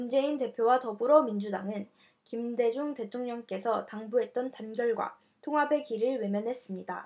문재인 대표와 더불어민주당은 김대중 대통령께서 당부했던 단결과 통합의 길을 외면했습니다